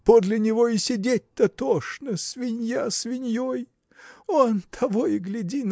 Подле него и сидеть-то тошно – свинья свиньей! Он того и гляди